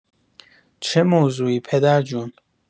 چه موضوعی پدر جون؟